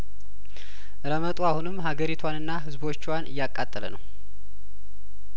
ረመጡ አሁንም ሀገሪቷንና ህዝቦቿን እያቃጠለነው